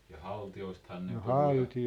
ja haltijoistahan ne puhui ja